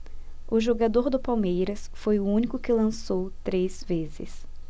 o jogador do palmeiras foi o único que lançou três vezes